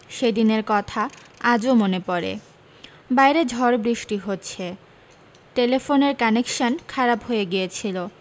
সেদিনের কথা আজও মনে পড়ে বাইরে ঝড় বৃষ্টি হচ্ছে টেলেফোনের কানেকশান খারাপ হয়ে গিয়েছিলো